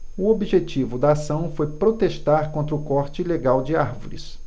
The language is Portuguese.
o objetivo da ação foi protestar contra o corte ilegal de árvores